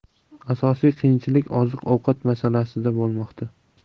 asosiy qiyinchilik oziq ovqat masalasida bo'lmoqda